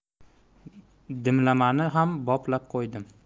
dimlamani ham boplab qo'ydim